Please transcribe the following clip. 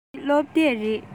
འདི སློབ དེབ རེད